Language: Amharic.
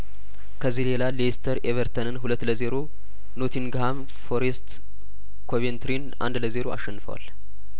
ከዚህ ሌላ ሌይስተር ኤቨርተንን ሁለት ለዜሮ ኖቲንግሀም ፎሬስት ኮቬንትሪን አንድ ለዜሮ አሸንፈዋል